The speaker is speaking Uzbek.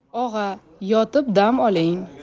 og'a yotib dam oling